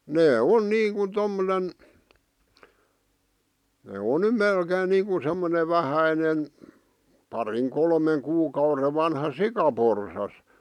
ne on niin kuin tuommoinen ne on nyt melkein niin kuin semmoinen vähäinen parin kolmen kuukauden vanha sikaporsas